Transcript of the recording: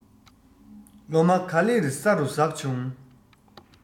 ལོ མ ག ལེར ས རུ ཟགས བྱུང